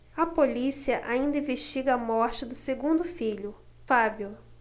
a polícia ainda investiga a morte do segundo filho fábio